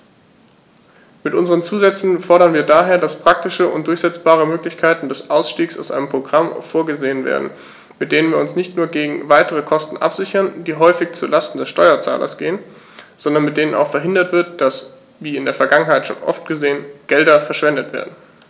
Mit unseren Zusätzen fordern wir daher, dass praktische und durchsetzbare Möglichkeiten des Ausstiegs aus einem Programm vorgesehen werden, mit denen wir uns nicht nur gegen weitere Kosten absichern, die häufig zu Lasten des Steuerzahlers gehen, sondern mit denen auch verhindert wird, dass, wie in der Vergangenheit so oft geschehen, Gelder verschwendet werden.